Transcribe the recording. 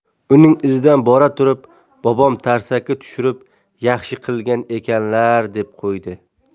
uning izidan bora turib bobom tarsaki tushirib yaxshi qilgan ekanlar deb qo'ydi